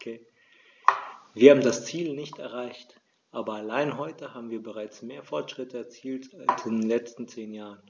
Wir haben das Ziel nicht erreicht, aber allein heute haben wir bereits mehr Fortschritte erzielt als in den letzten zehn Jahren.